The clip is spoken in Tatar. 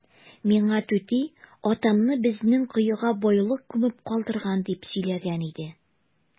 Миңа түти атамны безнең коега байлык күмеп калдырган дип сөйләгән иде.